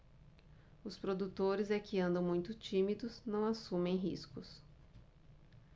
os produtores é que andam muito tímidos não assumem riscos